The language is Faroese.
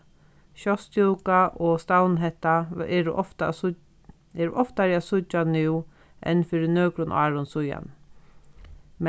sjóstúka og stavnhetta eru ofta eru oftari at síggja nú enn fyri nøkrum árum síðani